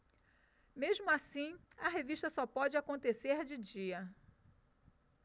mesmo assim a revista só pode acontecer de dia